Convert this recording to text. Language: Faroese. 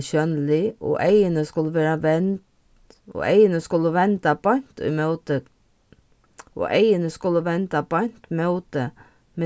sjónlig og eyguni skulu vera vend og eyguni skulu venda beint í móti og eyguni skulu venda beint móti